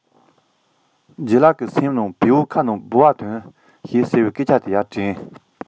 ལྗད ལགས ཀྱི སེམས ལ བེའུའི ཁ ནས ལྦུ བ འདོན གྱིས ཟེར བའི སྐད ཆ དེ དྲན གསོས ཏེ